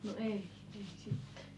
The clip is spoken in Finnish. no ei ei sitten